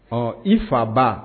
Ɔ i faba